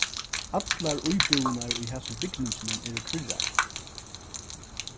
allar íbúðirnar í hasum bygninginum eru kvirrar